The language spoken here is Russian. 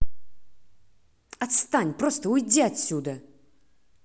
отстань просто уйди отсюда